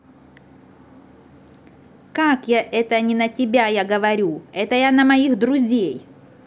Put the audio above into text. как я это не на тебя я говорю это я на моих друзей